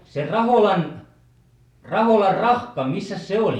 se Raholan Raholan rahka missäs se oli